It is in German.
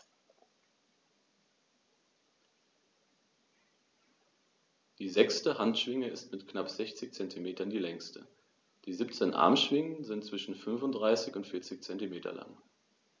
Die sechste Handschwinge ist mit knapp 60 cm die längste. Die 17 Armschwingen sind zwischen 35 und 40 cm lang.